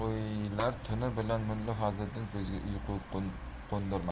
mulla fazliddin ko'ziga uyqu qo'ndirmadi